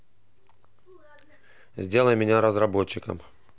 сделай меня разработчиком